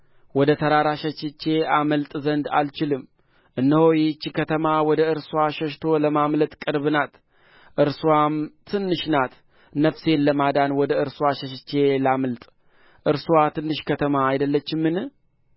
ወደ ተራራ ሸሽቼ አመልጥ ዘንድ አልችልም እነሆ ይህች ከተማ ወደ እርስዋ ሸሽቶ ለማምለጥ ቅርብ ናት እርስዋም ትንሽ ናት ነፍሴን ለማዳን ወደ እርስዋ ሸሽቼ ላምልጥ እርስዋ ትንሽ ከተማ አይደለችምን